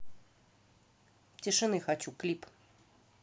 тишины хочу клип